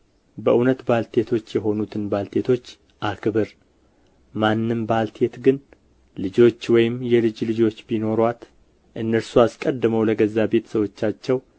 በእውነት ባልቴቶች የሆኑትን ባልቴቶች አክብር ማንም ባልቴት ግን ልጆች ወይም የልጅ ልጆች ቢኖሩአት እነርሱ አስቀድመው ለገዛ ቤተ ሰዎቻቸው